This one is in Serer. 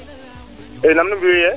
e nam nu mbiyu yee